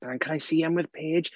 Can I see 'em with Paige?